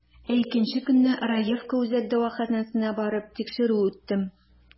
Ә икенче көнне, Раевка үзәк дәваханәсенә барып, тикшерү үттем.